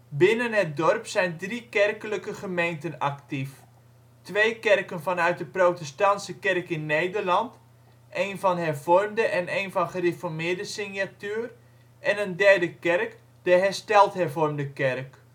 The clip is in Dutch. Binnen het dorp zijn drie kerkelijke gemeenschappen actief. Twee kerken vanuit de Protestantse Kerk in Nederland: een van hervormde en een van gereformeerde signatuur. En een derde kerk, de Hersteld Hervormde Kerk